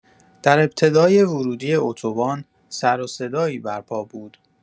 در ابتدای ورودی اتوبان سروصدایی برپا بود.